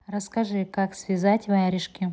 расскажи как связать варежки